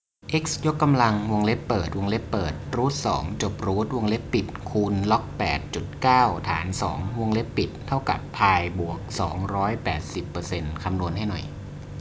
เอ็กซ์ยกกำลังวงเล็บเปิดวงเล็บเปิดรูทสองจบรูทวงเล็บปิดคูณล็อกแปดจุดเก้าฐานสองวงเล็บปิดเท่ากับพายบวกสองร้อยแปดสิบเปอร์เซ็นต์คำนวณให้หน่อย